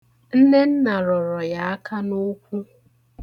Nnenna rọrọ ya aka n'ụkwụ.